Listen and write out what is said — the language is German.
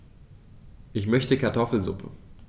Ich möchte Kartoffelsuppe.